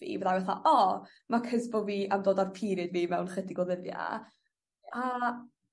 fi fyddai fatha o ma' 'c'os bo' fi am don ar period fi mewn chydig o ddyddia', a